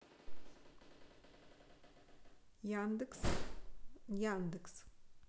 яндекс яндекс